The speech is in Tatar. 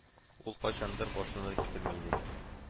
Дип ул кайчандыр башына да китерми иде бит